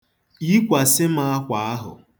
Yikwasị m akwa ahụ.